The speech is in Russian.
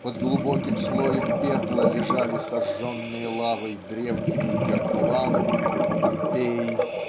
Под глубоким слоем пепла лежали сожженные лавой древние Геркуланум и Помпеи